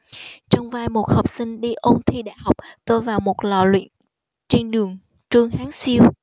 trong vai một học sinh đi ôn thi đại học tôi vào một lò luyện trên đường trương hán siêu